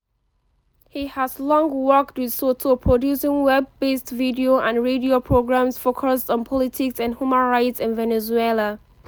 He has long worked with Soto producing web-based video and radio programs focused on politics and human rights in Venezuela.